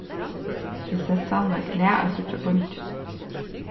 prinsessan varð glað at síggja kongin